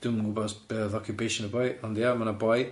Dwi'm yn gwybod s- be' odd occupation y boi ond ie ma' na boi.